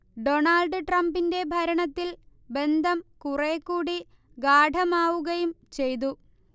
Donald ട്രംപിന്റെ ഭരണത്തിൽ ബന്ധം കുറേക്കൂടി ഗാഢമാവുകയും ചെയ്തു